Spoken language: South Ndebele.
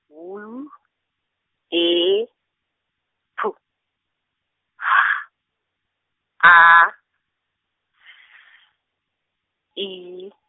W, E, P, H, A, S, I .